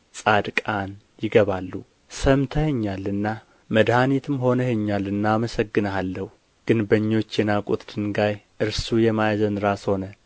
ጻድቃን ይገባሉ ሰምተኸኛልና መድኃኒትም ሆነኸኛልና አመሰግንሃለሁ ግንበኞች የናቁት ድንጋይ እርሱ የማዕዘን ራስ ሆነ